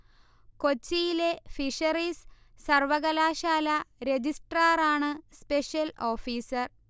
കൊച്ചിയിലെ ഫിഷറീസ് സർവകലാശാല രജിസ്ട്രാറാണ് സ്പെഷ്യൽ ഓഫീസർ